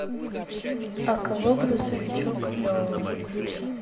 а кого грузовичок лева